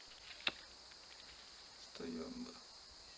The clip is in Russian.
стоямба